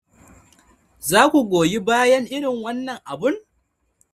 "Za ku goyi bayan irin wannan abun?